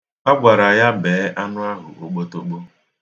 A gwara ya bee anụ ahụ okpotokpo.